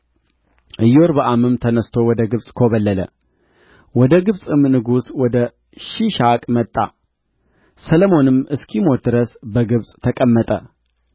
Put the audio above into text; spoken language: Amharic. ኢዮርብዓምም ተነሥቶ ወደ ግብጽ ኰበለለ ወደ ግብጽም ንጉሥ ወደ ሺሻቅ መጣ ሰሎሞንም እስኪሞት ድረስ በግብጽ ተቀመጠ